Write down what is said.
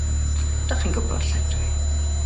'Dach chi'n gwbod lle ydw i.